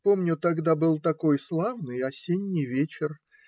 Помню, тогда был такой славный осенний вечер.